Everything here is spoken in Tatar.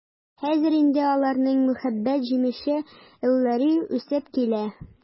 Хәзер инде аларның мәхәббәт җимеше Эллари үсеп килә.